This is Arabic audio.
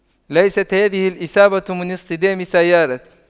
ليست هذه الاصابة من اصطدام سيارة